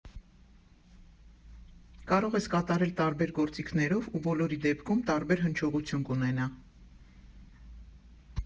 Կարող ես կատարել տարբեր գործիքներով, ու բոլորի դեպքում տարբեր հնչողություն կունենա։